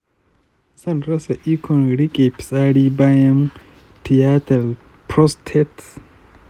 zan rasa ikon riƙe fitsari bayan tiyatar prostate?